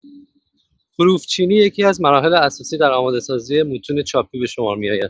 حروف‌چینی یکی‌از مراحل اساسی در آماده‌سازی متون چاپی به‌شمار می‌آید.